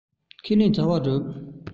ཁས ལེན བྱ བ བསྒྲུབ